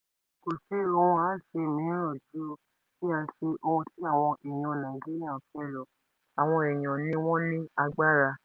Kò sí ohun àáṣe mìíràn ju kí á ṣe ohun tí àwọn èèyàn Nigeria ń fẹ́ lọ, àwọn èèyàn ni wọ́n ní agbára.